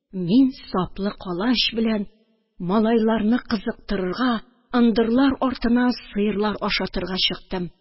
Мин саплы калач белән малайларны кызыктырырга, ындырлар артына сыерлар ашатырга чыктым